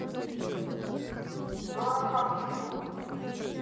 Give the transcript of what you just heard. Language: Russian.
дорохов ютуб